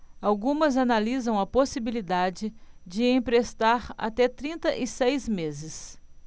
algumas analisam a possibilidade de emprestar até trinta e seis meses